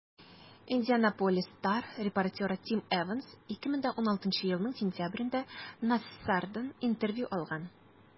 «индианаполис стар» репортеры тим эванс 2016 елның сентябрендә нассардан интервью алган.